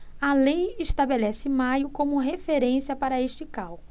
a lei estabelece maio como referência para este cálculo